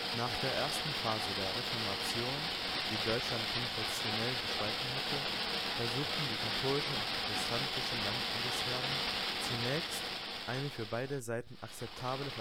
Nach der ersten Phase der Reformation, die Deutschland konfessionell gespalten hatte, versuchten die katholischen und protestantischen Landesherren zunächst, eine für beide Seiten akzeptable